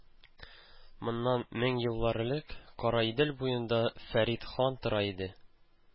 Моннан мең еллар элек Кара Идел буенда Фәрит хан тора иде.